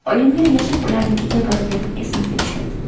oyimga ergashib ularnikiga borganim esimga tushadi